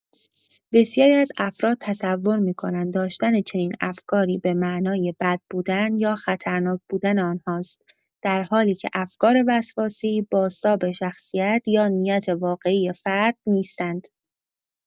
بسیاری از افراد تصور می‌کنند داشتن چنین افکاری به معنای بد بودن یا خطرناک بودن آن‌هاست، در حالی که افکار وسواسی بازتاب شخصیت یا نیت واقعی فرد نیستند.